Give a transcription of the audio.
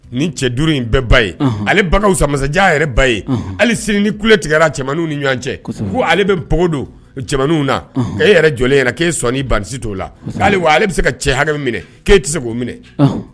Ni cɛ duuru in bɛɛ ba ale masajan ba ye sini ni ku tigɛ cɛ ni ɲɔgɔn cɛ k ko ale bɛ npogo don na e yɛrɛ jɔ'e sɔn ba t'o la hali ale bɛ se ka cɛ hakɛ minɛ'e tɛ se k'o minɛ